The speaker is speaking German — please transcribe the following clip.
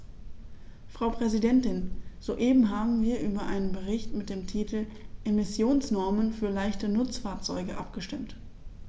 Frau Präsidentin, soeben haben wir über einen Bericht mit dem Titel "Emissionsnormen für leichte Nutzfahrzeuge" abgestimmt.